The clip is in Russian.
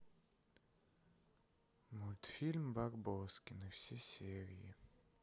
мультфильм барбоскины все серии